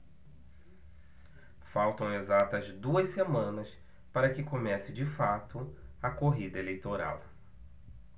faltam exatas duas semanas para que comece de fato a corrida eleitoral